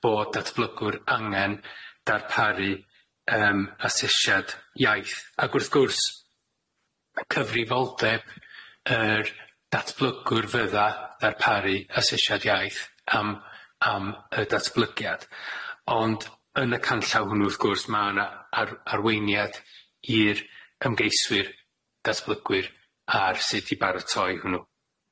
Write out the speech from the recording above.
bod datblygwr angen darparu yym asesiad iaith ag wrth gwrs cyfrifoldeb yr datblygwr fydda darparu asesiad iaith am am y datblygiad ond yn y canllaw hwnnw wrth gwrs ma' arweiniad i'r ymgeiswyr datblygwyr ar sut i baratoi hwnnw.